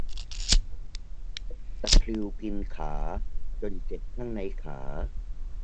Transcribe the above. ตะคริวกินขาจนเจ็บข้างในขา